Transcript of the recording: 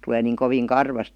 tulee niin kovin karvasta